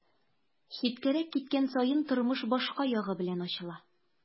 Читкәрәк киткән саен тормыш башка ягы белән дә ачыла.